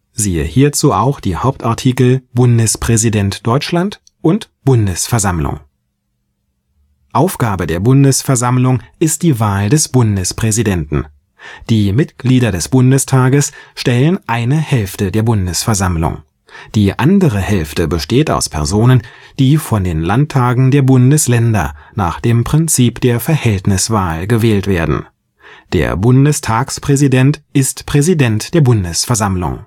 → Hauptartikel: Bundespräsident (Deutschland), Bundesversammlung Aufgabe der Bundesversammlung ist die Wahl des Bundespräsidenten. Die Mitglieder des Bundestages stellen eine Hälfte der Bundesversammlung. Die andere Hälfte besteht aus Personen, die von den Landtagen der Bundesländer nach dem Prinzip der Verhältniswahl gewählt werden. Der Bundestagspräsident ist Präsident der Bundesversammlung